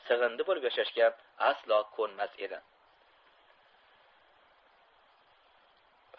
sig'indi bo'lib yashashga aslo ko'nmas edi